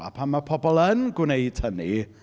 A pan ma' pobl yn gwneud hynny...